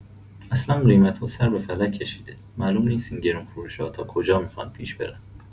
اصلا قیمت‌ها سر به فلک کشیده، معلوم نیست این گرون‌فروشا تا کجا می‌خوان پیش برن!